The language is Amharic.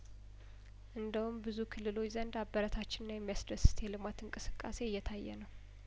እንደ ውም በብዙ ክልሎች ዘንድ አበረታችና የሚያስደስት የልማት እንቅስቃሴ እየታየ ነው